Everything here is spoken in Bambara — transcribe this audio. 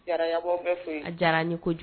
Jara fɛ a diyara ni ko kojugu